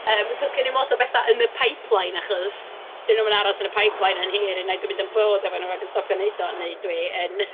Yym, so 'sgen i'm lot o bethau yn y pipeline, achos 'dyn nhw'm yn aros yn y pipeline yn hir, unai dwi'n mynd yn bored efo nhw ac yn stopio wneud o, neu dwi yn ...